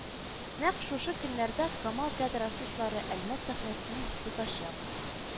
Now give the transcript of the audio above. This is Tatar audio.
Нәкъ шушы көннәрдә Камал театры артистлары Әлмәт сәхнәсен тотачак